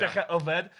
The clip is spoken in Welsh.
Dechra yfed.